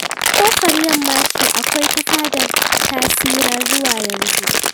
ƙofar yamma ce kawai ta fadar ta tsira zuwa yanzu.